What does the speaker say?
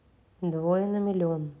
двое на миллион